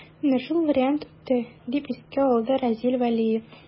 Менә шул вариант үтте, дип искә алды Разил Вәлиев.